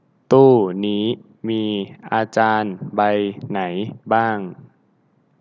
ตู้นี้มีอาจารย์ใบไหนบ้าง